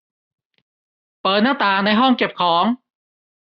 เปิดหน้าต่างในห้องเก็บของ